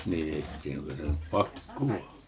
niin ei sitä tiedä onko se nyt pakkoa